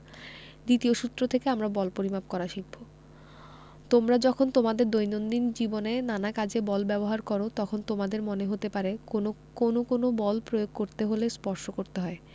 দ্বিতীয় সূত্র থেকে আমরা বল পরিমাপ করা শিখব তোমরা যখন তোমাদের দৈনন্দিন জীবনে নানা কাজে বল ব্যবহার করো তখন তোমাদের মনে হতে পারে কোনো কোনো বল প্রয়োগ করতে হলে স্পর্শ করতে হয়